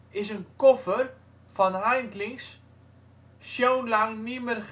is een cover van Haindlings Schon lang nimer